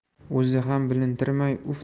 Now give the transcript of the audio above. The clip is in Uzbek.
o'zi ham bilintirmay